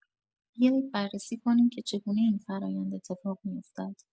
بیایید بررسی کنیم که چگونه این فرایند اتفاق می‌افتد.